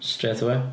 Straight away.